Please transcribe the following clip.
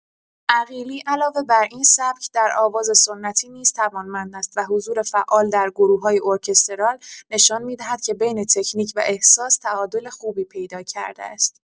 عقیلی علاوه بر این سبک، در آواز سنتی نیز توانمند است و حضور فعال در گروه‌های ارکسترال نشان می‌دهد که بین تکنیک و احساس تعادل خوبی پیدا کرده است.